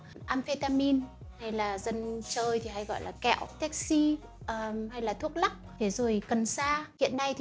amphetamin hay dân chơi hay gọi là kẹo ecstasy hay gọi là thuốc lắc thế rồi là cần sa